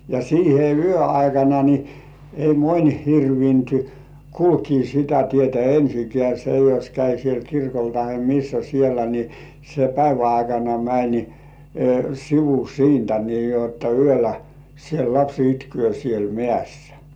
ja siihen yön aikana niin ei moni hirvinnyt kulkea sitä tietä ensinkään se jos kävi siellä kirkolla tai missä siellä niin se päivän aikana meni sivu siitä niin jotta yöllä siellä lapsi itkee siellä mäessä